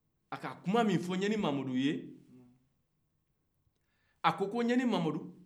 a ye kuma min fɔ ɲani mamadu ye ako ko ɲani mamadu